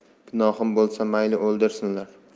gunohim bo'lsa mayli o'ldirsinlar